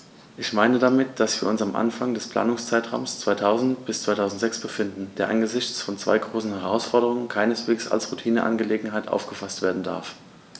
Ich meine damit, dass wir uns am Anfang des Planungszeitraums 2000-2006 befinden, der angesichts von zwei großen Herausforderungen keineswegs als Routineangelegenheit aufgefaßt werden darf.